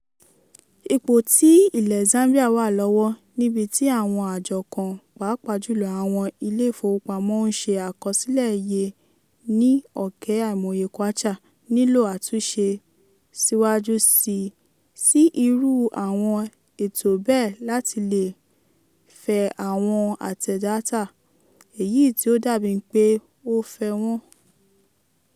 Ipò tí ilẹ̀ Zambia wà lọ́wọ́, níbi tí àwọn àjọ kan, pàápàá jùlọ àwọn ilé ìfowópamọ́ ń ṣe àkọsílẹ̀ iye ní ọ̀kẹ́ àìmọye Kwacha, nílò àtúnṣe síwájú sí irú àwọn ètò bẹ́ẹ̀ láti lè fẹ àwọn àtẹ dátà, èyí tí ó dàbí pé ó fẹ́ wọ́n.